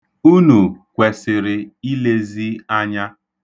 Unu kwesịrị ilezi anya.